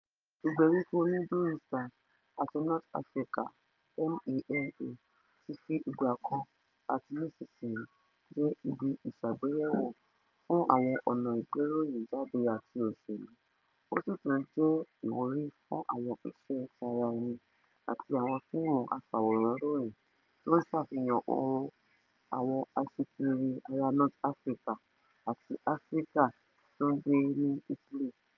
Ìgbèríko Middle Eastern àti North Africa (MENA) ti fi ìgbà kan (àti nísìnyí) jẹ́ ibi ìṣàgbéyẹ̀wo fún àwọn ọ̀nà ìgberòyìn jáde àti òṣèlú, ó sì tún ti jẹ́ ìwúrí fún àwọn iṣẹ́ tara ẹni, àti àwọn fíìmù afàwòránròyìn tó ń safihan ohùn àwọn aṣikiri ará North Africa àti Áfíríkà tó ń gbé ní Italy.